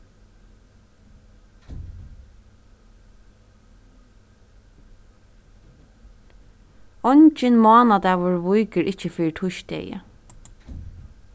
eingin mánadagur víkur ikki fyri týsdegi